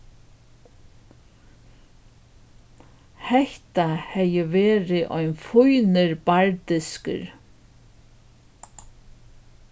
hetta hevði verið ein fínur barrdiskur